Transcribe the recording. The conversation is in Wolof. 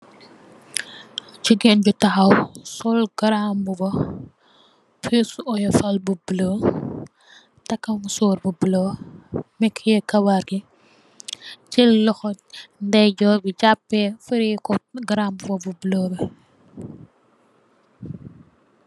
Gigain ju tahaw sol garam mbuba peace sey oyafal bu buloo taka musorr bu buloo mekeyeh karaw gi jel loho ndey jorr bi jape fereko garam mbuba bu buloo bi.